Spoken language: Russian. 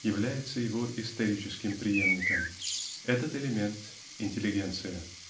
является его историческим преемником. Этот элемент -- интеллигенция.